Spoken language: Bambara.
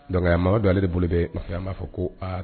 Dɔn ma don ale de bolo bɛ masa b'a fɔ ko aa